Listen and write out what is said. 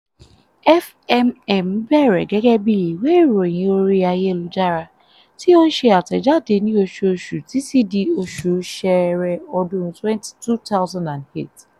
FMM bẹ̀rẹ̀ gẹ́gẹ́ bíi ìwé ìròyìn orí ayélujára, tí ó ń ṣe àtẹ̀jáde ní oṣooṣù títí di oṣù Ṣẹ́ẹ́rẹ́ ọdún 2008.